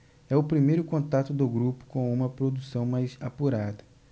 é o primeiro contato do grupo com uma produção mais apurada